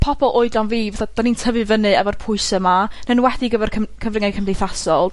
pobol oedran fi fatha 'dyn ni'n tyfu fyny efo'r pwyse 'ma yn enwedig efo'r cym- cyfryngau cymdeithasol.